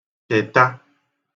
-kèta